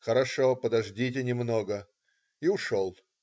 - "Хорошо, подождите немного",- и ушел.